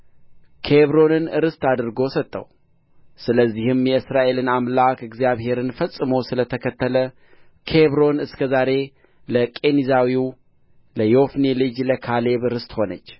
ኬብሮንን ርስት አድርጎ ሰጠው ስለዚህም የእስራኤልን አምላክ እግዚአብሔርን ፈጽሞ ስለ ተከተለ ኬብሮን እስከ ዛሬ ለቄኔዛዊው ለዮፎኒ ልጅ ለካሌብ ርስት ሆነች